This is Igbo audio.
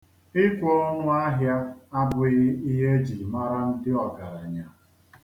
Ịkwe ọnụ ahịa abụghị ihe e ji mara ndị ọgaranya.